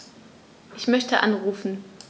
Ich möchte anrufen.